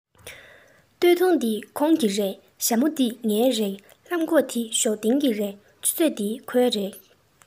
སྟོད ཐུང འདི ཁོང གི རེད ཞྭ མོ འདི ངའི རེད ལྷམ གོག འདི ཞའོ ཏིང གི རེད ཆུ ཚོད འདི ཁོའི རེད